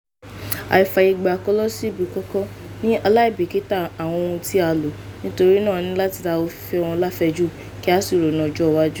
"Àìfàyègbà kò lọ sí ibì kankan, ní aláìbìkítà àwọn ohun tí a lo, nítorí náà a ní láti dáwọ́ fífẹ́ wọn láfẹ̀ẹ́ jù kí á sí ronú ọjọ́ iwájú".